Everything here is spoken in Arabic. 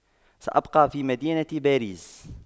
سأبقى في مدينة باريس